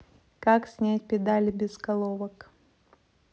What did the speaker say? как снять педали без головок